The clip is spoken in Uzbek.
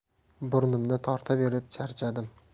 burnimni tortaverib charchadim